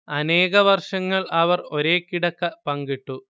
അനേക വർഷങ്ങൾ അവർ ഒരേ കിടക്ക പങ്കിട്ടു